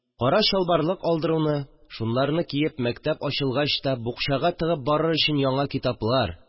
Кара чалбарлык алдыруны, шуларны киеп, мәктәп ачылгач та букчага тыгып барыр өчен яңа китаплар